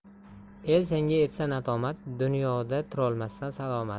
el senga etsa nadomat dunyoda turolmassan salomat